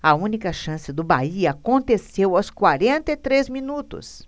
a única chance do bahia aconteceu aos quarenta e três minutos